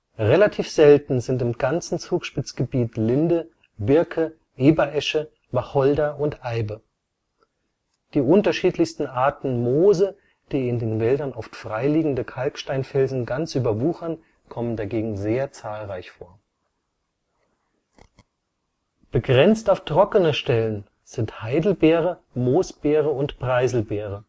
Relativ selten sind im ganzen Zugspitzgebiet Linde, Birke, Eberesche, Wacholder und Eibe. Die unterschiedlichsten Arten Moose, die in den Wäldern oft freiliegende Kalksteinfelsen ganz überwuchern kommen dagegen sehr zahlreich vor. Begrenzt auf trockene Stellen sind Heidelbeere, Moosbeere und Preiselbeere